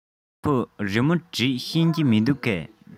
ཁོས རི མོ འབྲི ཤེས ཀྱི མིན འདུག གས